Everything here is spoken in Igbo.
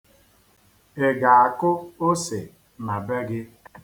Ị ga-akụ ose na be gị?